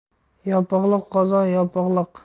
yopig'liq qozon yopig'lik